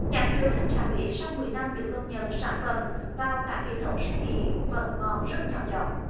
nhãn hiệu thanh trà huế sau mười năm được công nhận sản phẩm vào các hệ thống siêu thị vẫn còn rất nhỏ giọt